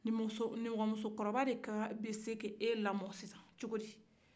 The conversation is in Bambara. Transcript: nimɔgɔmusokɔrɔba de bɛ se ka e lamɔn sisan cogodi